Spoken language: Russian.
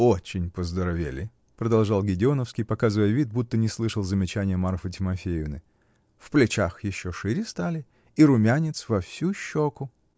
-- Очень поздоровели, -- продолжал Гедеоновский, показывая вид, будто не слышал замечания Марфы Тимофеевны, -- в плечах еще шире стали, и румянец во всю щеку.